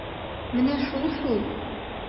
Менә шул-шул!